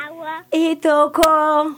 Ayiwa i to ko